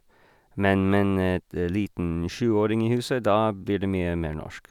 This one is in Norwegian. men Men et liten sjuåring i huset, da blir det mye mer norsk.